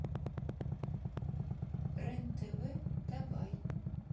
рен тв давай